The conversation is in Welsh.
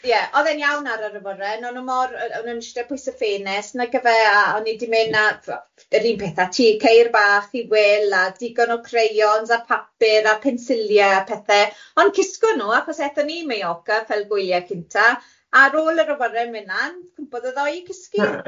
ie odd e'n iawn ar yr awyren, o'n nhw mor o'n nhw'n ishte pwys y ffenest nagyfe a o'n i di mynd a yr un peth a tŷ ceir bach i wel a digon o crayons a papur a pensilie a pethau ond cysgo nhw achos aethon ni i Mallorca fel gwyliau cynta ar ôl yr awyren fyn lan cwmpodd y ddau i cysgu.